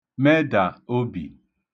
medà obì